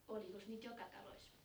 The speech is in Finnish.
olikos niitä joka taloissa